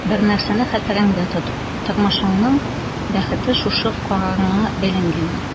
Бер нәрсәне хәтерендә тот: тормышыңның бәхете шушы карарыңа бәйләнгән.